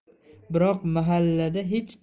biroq mahallada hech